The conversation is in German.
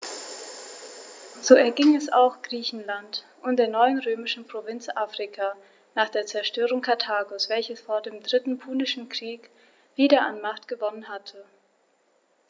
So erging es auch Griechenland und der neuen römischen Provinz Afrika nach der Zerstörung Karthagos, welches vor dem Dritten Punischen Krieg wieder an Macht gewonnen hatte.